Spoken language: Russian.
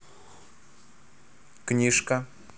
книжка